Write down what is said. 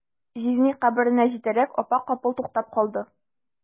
Җизни каберенә җитәрәк, апа капыл туктап калды.